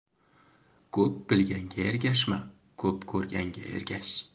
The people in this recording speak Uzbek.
ko'p bilganga ergashma ko'p ko'rganga ergash